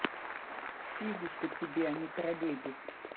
фигушка тебе а не троллейбус